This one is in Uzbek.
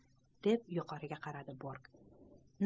deb yuqoriga qaradi bork